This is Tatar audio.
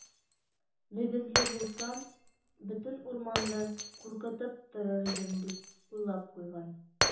Мөгезле булсам, бөтен урманны куркытып торыр идем, - дип уйлап куйган.